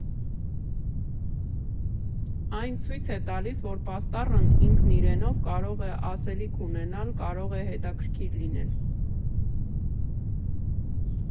Այն ցույց է տալիս, որ պաստառն ինքն իրենով կարող է ասելիք ունենալ, կարող է հետաքրքիր լինել։